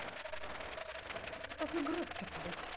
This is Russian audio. как играть то блять